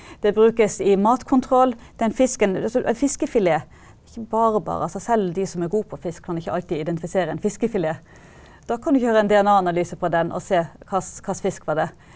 det brukes i matkontroll, den fisken en fiskefilet som bare bare av seg selv de som er god på fisk kan ikke alltid identifisere en fiskefilet, da kan du gjøre en DNA-analyse for å se hva slags fisk var det.